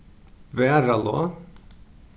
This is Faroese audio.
varðalág